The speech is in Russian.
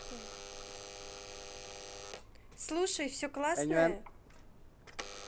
слушай все классное